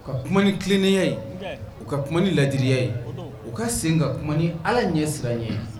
U ka kuma ni tileninya ye u ka kuma ni ladiriya ye u ka sen ka kuma ni ala ɲɛ siran ye